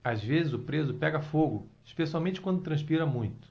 às vezes o preso pega fogo especialmente quando transpira muito